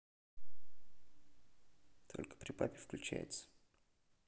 только при папе включается